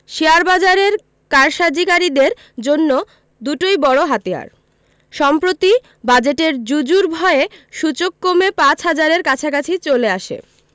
শেয়ারবাজারের কারসাজিকারীদের জন্য দুটোই বড় হাতিয়ার সম্প্রতি বাজেটের জুজুর ভয়ে সূচক কমে ৫ হাজারের কাছাকাছি চলে আসে